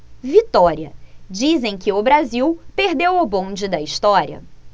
vitória dizem que o brasil perdeu o bonde da história